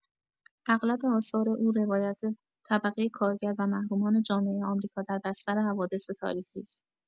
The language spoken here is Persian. اغلب آثار او روایت طبقه کارگر و محرومان جامعه آمریکا در بستر حوادث تاریخی است.